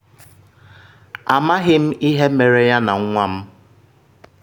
Amaghị m ihe mere ya na nwa m.